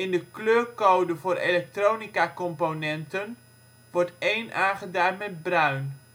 de kleurcode voor elektronicacomponenten wordt 1 aangeduid met bruin